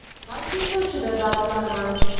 balki sochida dam olarman